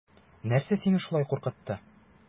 Нәрсә саине шулай куркытты?